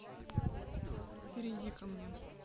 перейди ко мне